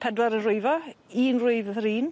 Pedwar y' rwyfo. Un rwyf yr un.